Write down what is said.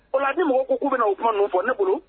O la ni mɔgɔw u k'u bɛ na u kuma ninnu fɔ ne bolo